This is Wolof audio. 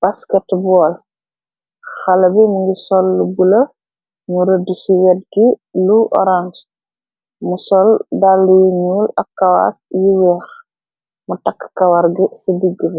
basket bool xala bi mi ngi soll bu la ñu rëddi ci reet gi lu orange mu sol dalyi ñuul ak kawaas yi weex mu takk kawarg ci bigg bi